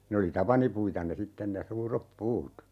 ne oli tapanipuita ne sitten ne suuret puut